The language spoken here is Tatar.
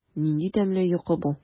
Нинди тәмле йокы бу!